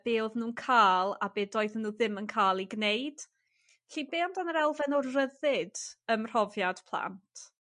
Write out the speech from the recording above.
buodd nhw'n ca'l a be' doedden nhw ddim yn ca'l 'i gneud. Lly be' amdan yr elfen o rhyddid ym mhrofiad plant?